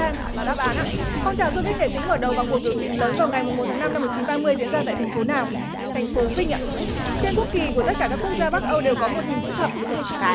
hen là đáp án ạ phong trào xô viết nghệ tĩnh mở đầu bằng cuộc biểu tình lớn vào ngày mùng một tháng năm năm một chín ba mươi diễn ra tại thành phố nào thành phố vinh ạ trên quốc kỳ của tất cả các quốc gia bắc âu đều có một hình chữ thập đúng hay sai